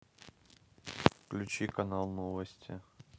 включи канал новости